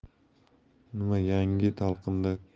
nima yangi talqinda